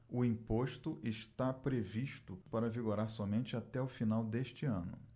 o imposto está previsto para vigorar somente até o final deste ano